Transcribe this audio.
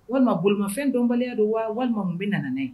Walima bolomafɛn donbaliya don wa walima bɛ na